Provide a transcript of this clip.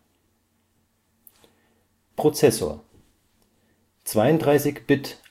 Prozessor: 32 Bit